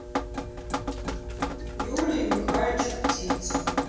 юлия михальчик птица